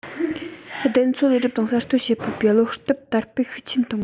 བདེན འཚོལ ལས སྒྲུབ དང གསར གཏོད བྱེད ཕོད པའི བློ སྟོབས དར སྤེལ ཤུགས ཆེན གཏོང དགོས